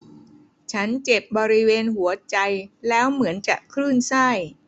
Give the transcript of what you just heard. ฉันเจ็บบริเวณหัวใจแล้วเหมือนจะคลื่นไส้